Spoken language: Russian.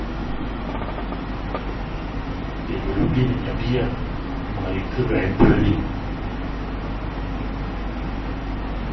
ты полюби меня пьяную мари краймбрери